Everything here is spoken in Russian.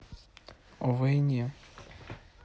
о войне